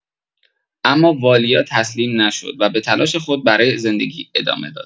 اما والیا تسلیم نشد و به تلاش خود برای زندگی ادامه داد.